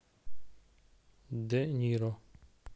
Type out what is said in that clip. де ниро